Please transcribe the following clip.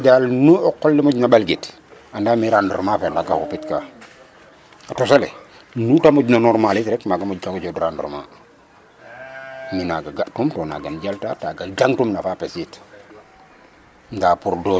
Dal nu o qol ne moƴna ɓalgit andaam e rendement maaga xupitkaa a tos ale muu ta moƴna normal it rek a moƴkang o coox rendement mi' naaga ga'tum to naagam jalta taga jangtum no fapes it.